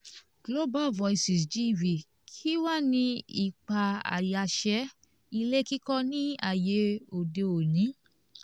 Global Voices (GV): Kí wá ni ipa ayaṣẹ́-ilé-kíkọ́ ní ayé òde òní?